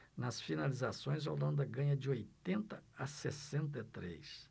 nas finalizações a holanda ganha de oitenta a sessenta e três